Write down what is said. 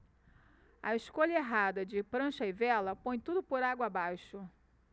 a escolha errada de prancha e vela põe tudo por água abaixo